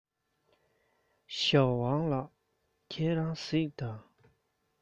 ཞའོ ཝང ལགས ཁྱེད རང གཟིགས དང